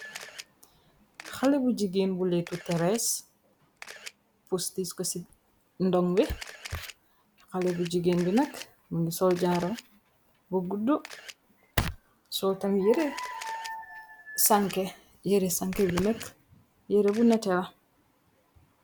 Xale bu jigéen bu leetu terees, pustis ko ci ndon bi, xale bu jigéen bi nak mingi sol jaaru bu guddu, sol tam yire sanke, yire sanke bi nakk yere bu neté la.